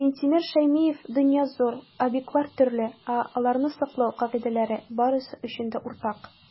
Минтимер Шәймиев: "Дөнья - зур, объектлар - төрле, ә аларны саклау кагыйдәләре - барысы өчен дә уртак".